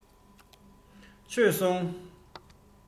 མཆོད སོང